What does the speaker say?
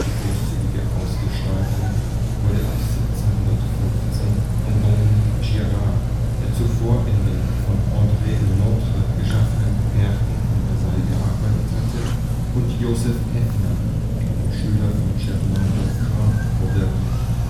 großzügige Ausgestaltung wurde ab 1715 von Dominique Girard, der zuvor in den von André Le Nôtre geschaffenen Gärten von Versailles gearbeitet hatte, und Joseph Effner, einem Schüler von Germain Boffrand, verwirklicht